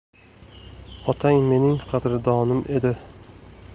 otang mening qadrdonim edi